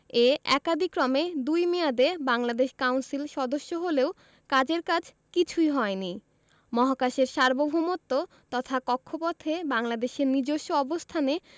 এ একাদিক্রমে দুই মেয়াদে বাংলাদেশ কাউন্সিল সদস্য হলেও কাজের কাজ কিছুই হয়নি মহাকাশের সার্বভৌমত্ব তথা কক্ষপথে বাংলাদেশের নিজস্ব অবস্থানে